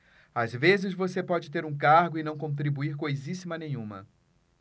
às vezes você pode ter um cargo e não contribuir coisíssima nenhuma